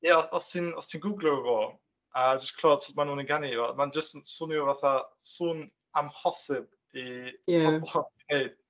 Ie, os os ti'n os ti'n gwglo fo a jyst clywed sut maen nhw'n ynganu fo, mae'n jyst yn swnio fatha sŵn amhosib i pobl ei wneud.